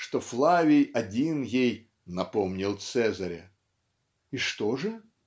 что Флавий один ей "напомнил Цезаря" -- и что же ?